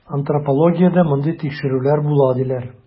Антропологиядә мондый тикшерүләр була, диләр.